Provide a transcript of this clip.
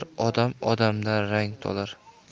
olar odam odamdan rangtolar